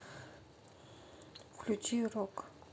включи рок